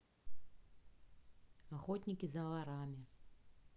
охотники за ворами